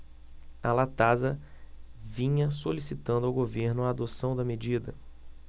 a latasa vinha solicitando ao governo a adoção da medida